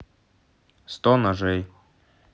сто ножей